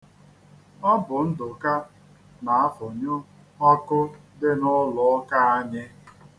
Ọ bụ Ndụka na-afụnyụ ọkụ dị n'ụlụụka anyị.